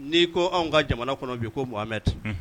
N'i ko anw ka jamana kɔnɔ bi komɛ ten